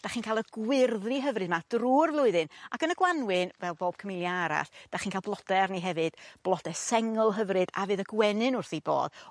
'Dach chi'n ca'l y gwyrddni hyfryd 'ma drw'r flwyddyn ac yn y Gwanwyn fel bob Camellia arall 'dach chi'n ca'l blode arni hefyd blode sengl hyfryd a fydd y gwenyn wrth 'u bodd